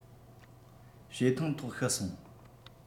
བྱེ ཐང ཐོག ཤི སོང